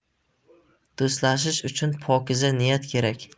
do'stlashish uchun pokiza niyat kerak